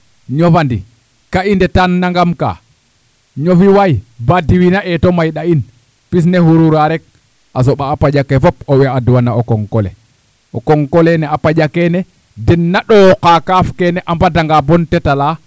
ñofandi ka i ndeta nangam kaa ñofi waay baa diwiina eeto mayiɗa in pis ne xurura rek a soɓaa a paƴ ake fop owey adwana o koŋko le o koŋko leene a paƴa keene den naa ndooka kaaf keene a mbadanga boo na tet ala